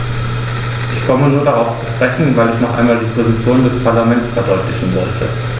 Ich komme nur darauf zu sprechen, weil ich noch einmal die Position des Parlaments verdeutlichen wollte.